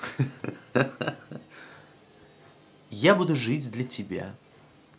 я буду жить для тебя